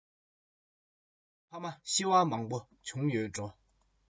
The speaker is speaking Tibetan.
ལྡེ མིག མི ལ ཤོར དུས འགྱོད པའི རྒྱུ